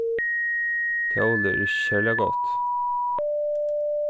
tólið er ikki serliga gott